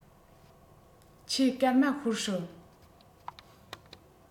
ཁྱེད སྐར མ ཤོར སྲིད